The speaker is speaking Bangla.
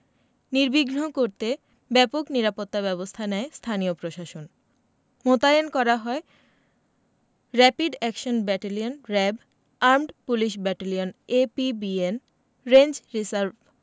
নির্বিঘ্ন করতে ব্যাপক নিরাপত্তাব্যবস্থা নেয় স্থানীয় প্রশাসন মোতায়েন করা হয় rapid action battalion RAB armed police battalion APBN range reserve